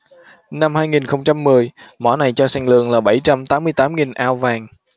năm hai nghìn không trăm mười mỏ này cho sản lượng là bảy trăm tám mươi tám nghìn ounce vàng